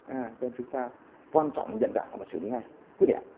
à cho nên chúng ta quan trọng là nhận ra xử lí ngay quyết liệt